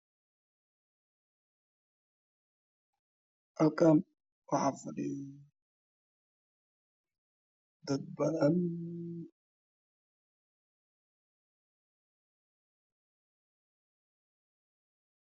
Halkaan waa meel hool ah waxaana ka muuqdo dad fara badan oo kuraas ku fadhiya.